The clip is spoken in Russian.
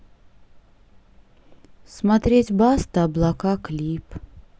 смотреть баста облака клип